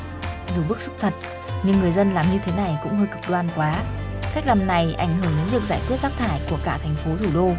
dù bức xúc thật nhưng người dân làm như thế này cũng hơi cực đoan quá cách làm này ảnh hưởng đến việc giải quyết rác thải của cả thành phố thủ đô